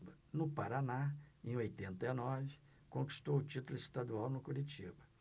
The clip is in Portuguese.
no paraná em oitenta e nove conquistou o título estadual no curitiba